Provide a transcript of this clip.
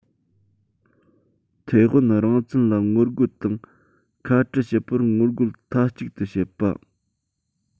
ཐའེ ཝན རང བཙན ལ ངོ རྒོལ དང ཁ འཕྲལ བྱེད པར ངོ རྒོལ མཐའ གཅིག ཏུ བྱེད པ